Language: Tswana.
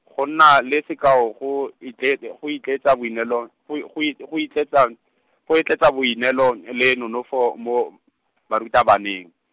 go nna le sekao go itlele, go itletsa- boineelo, go i- go i- go itletsan- , go etleetsa boineelo, le nonofo, mo , barutabaneng.